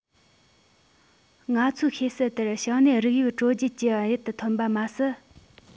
ང ཚོས ཤེས གསལ ལྟར བྱང སྣེའི རིགས དབྱིབས དྲོད རྒྱུད ཀྱི ཡུལ དུ ཐོན པ མ ཟད